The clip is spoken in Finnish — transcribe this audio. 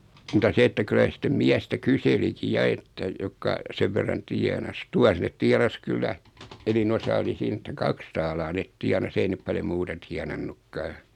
mutta se että kyllä se sitten miestä kyselikin ja että jotka sen verran tienasi tuossa ne tienasi kyllä enin osa oli siinä että kaksi taalaa ne tienasi ei ne paljon muuta tienannutkaan